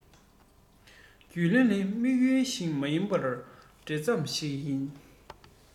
རྒྱུགས ལེན ནི དམིགས ཡུལ ཞིག མ ཡིན པར འབྲེལ ཟམ ཞིག ཡིན